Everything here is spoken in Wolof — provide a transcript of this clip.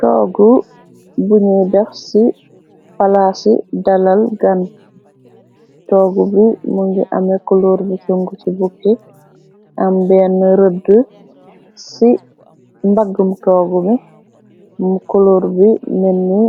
toogu buñuy dex ci palaasi dalal gan toogu bi mu ngi ame coloor bi sung ci bukki am benn rëdd ci mbaggam toogu bi u coloor bi nenni